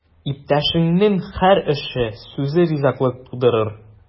Иптәшеңнең һәр эше, сүзе ризалык тудырыр.